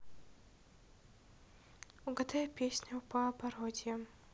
угадай песню по пародиям